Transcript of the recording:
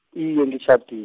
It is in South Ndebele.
iye ngitjhadi-.